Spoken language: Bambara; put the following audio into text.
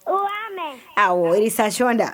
Ko a woro sac da